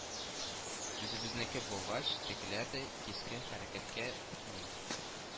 Үзебезнеке булгач, тегеләр дә кискен хәрәкәткә килми